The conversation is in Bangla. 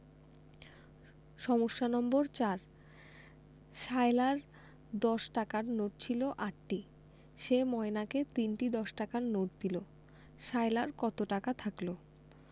সমস্যা নম্বর ৪ সায়লার দশ টাকার নোট ছিল ৮টি সে ময়নাকে ৩টি দশ টাকার নোট দিল সায়লার কত টাকা থাকল